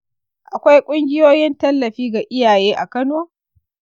akwai ƙungiyoyin tallafi ga iyaye a kano?